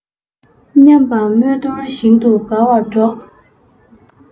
མཉམ པ རྨོས དོར བཞིན དུ དགའ བར འགྲོགས